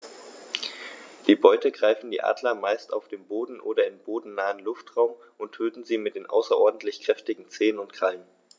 Die Beute greifen die Adler meist auf dem Boden oder im bodennahen Luftraum und töten sie mit den außerordentlich kräftigen Zehen und Krallen.